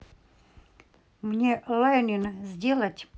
мне learning сделать